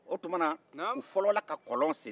o tuma na u fɔlɔla ka kɔlɔn sen